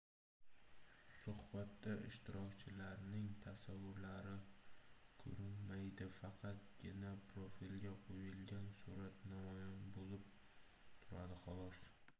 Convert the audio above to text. suhbatda ishtirokchilarning tasvirlari ko'rinmaydi faqatgina profilga qo'yilgan surat namoyon bo'lib turadi xolos